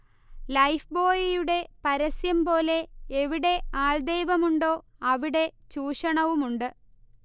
ലൈഫ്ബോയിയുടെ പരസ്യംപോലെ എവിടെ ആൾദൈവമുണ്ടോ അവിടെ ചൂഷണവുമുണ്ട്